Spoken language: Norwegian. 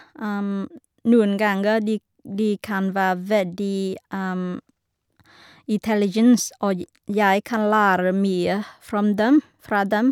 Noen ganger de de kan være veldig intelligens, og j jeg kan lære mye from dem fra dem.